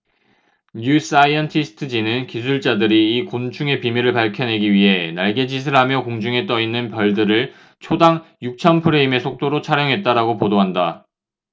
뉴 사이언티스트 지는 기술자들이 이 곤충의 비밀을 밝혀내기 위해 날갯짓을 하며 공중에 떠 있는 벌들을 초당 육천 프레임의 속도로 촬영했다라고 보도한다